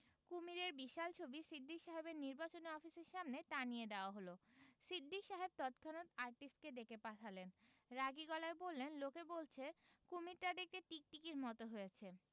কুমীরের বিশাল ছবি সিদ্দিক সাহেবের নির্বাচনী অফিসের সামনে টানিয়ে দেয়া হল সিদ্দিক সাহেব তৎক্ষণাৎ আর্টিস্টকে ডেকে পাঠালেন রাগী গলায় বললেন লোকে বলছে কুমীরটা দেখতে টিকটিকির মত হয়েছে